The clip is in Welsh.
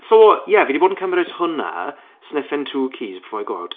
So ie, fi 'di bod yn cymryd hwnna, sniffing two keys before I go out.